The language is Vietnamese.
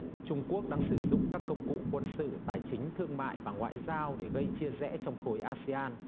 trung quốc đang sử dụng các công cụ quân sự tài chính thương mại và ngoại giao để gây chia rẽ trong khối a se an